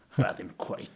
Wel, dim cweit.